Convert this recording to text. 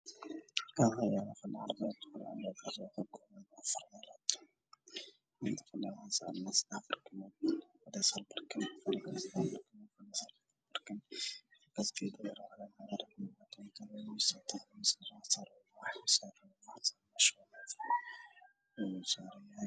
Waa sedax fadhi waxaa saran barkimo